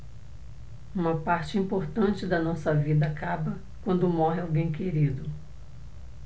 uma parte importante da nossa vida acaba quando morre alguém querido